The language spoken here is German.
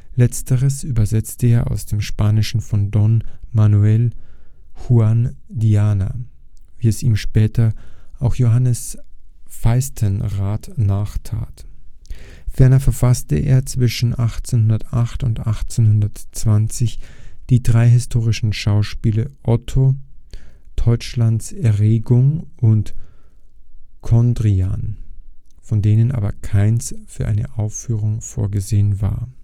Letzteres übersetzte er aus dem Spanischen von Don Manuel Juan Diana, wie es ihm später auch Johannes Fastenrath nachtat. Ferner verfasste er zwischen 1808 und 1820 die drei historischen Schauspiele Otto, Teutschlands Errettung und Conradin, von denen aber keines für eine Aufführung vorgesehen war